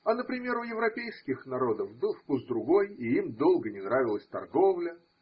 А, например, у европейских народов был вкус другой, и им долго не нравилась торговля.